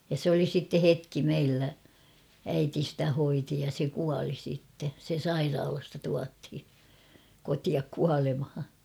ja se oli sitten hetki meillä äiti sitä hoiti ja se kuoli sitten se sairaalasta tuotiin kotiin kuolemaan